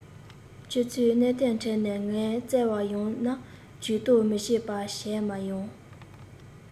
ཁྱེད ཚོར གནད དོན འཕྲད ནས ང བཙལ བར ཡོང ན ཇུས གཏོགས མི བྱེད པ བྱས མ ཡོང